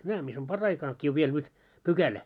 nämä missä on paraikaa on vielä nyt pykälä